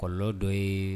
Kɔlɔ dɔ ye